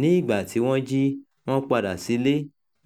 Nígbà tí wọ́n jí, wọ́n padà sílé,